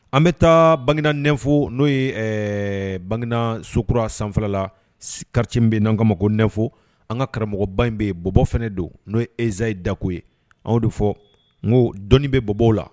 An bɛ taa bagidanɛfo no ye bagida so kura sanfɛla kariti bɛ n'an ka ma ko nfɔ an ka karamɔgɔba in bɛ yen bɔbɔ fana don n'o ye ezali dako ye a de fɔ n ko dɔnnii bɛ bɔbɔ la